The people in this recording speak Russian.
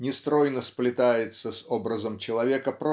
нестройно сплетается с образом человека